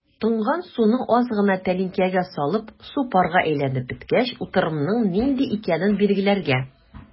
Тонган суны аз гына тәлинкәгә салып, су парга әйләнеп беткәч, утырымның нинди икәнен билгеләргә.